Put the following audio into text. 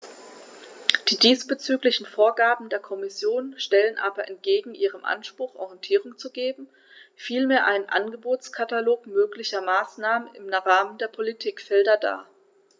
Die diesbezüglichen Vorgaben der Kommission stellen aber entgegen ihrem Anspruch, Orientierung zu geben, vielmehr einen Angebotskatalog möglicher Maßnahmen im Rahmen der Politikfelder dar.